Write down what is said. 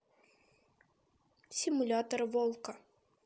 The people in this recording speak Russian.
симулятор волка